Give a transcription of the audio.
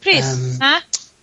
Pryd? Yym. Ma?